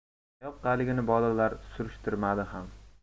qayoqqaligini bolalar surishtirishmadi ham